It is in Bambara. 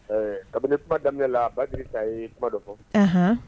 Ɛɛ kabini kuma daminɛ la ba deli ka ye kuma dɔ fɔ